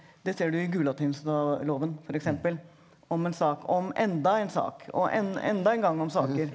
det ser du i Gulatingsloven f.eks. om en sak, om enda en sak og enda en gang om saker.